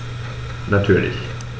Natürlich.